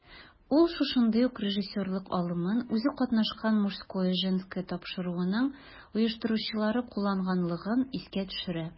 Ул шушындый ук режиссерлык алымын үзе катнашкан "Мужское/Женское" тапшыруының оештыручылары кулланганлыгын искә төшерә.